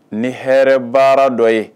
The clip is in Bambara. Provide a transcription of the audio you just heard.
Ni hɛrɛ baara dɔ ye